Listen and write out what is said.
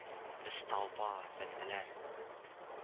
Без толпа, әфәнделәр